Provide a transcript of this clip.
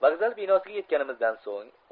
vokzal binosiga yetganimizdan so'ng